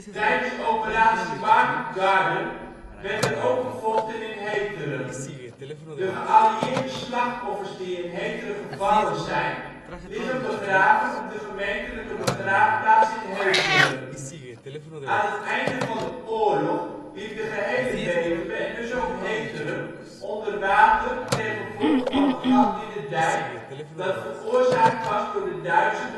Tijdens Operatie Market Garden werd er ook gevochten in Heteren. De geallieerde slachtoffers die in Heteren gevallen zijn liggen begraven op de gemeentelijke begraafplaats in Heteren. Aan het einde van de oorlog liep de gehele Betuwe en dus ook Heteren onder water ten gevolge van een gat in de dijk dat veroorzaakt was door de Duitse bezetter